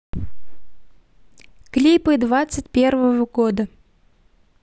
клипы двадцать первого года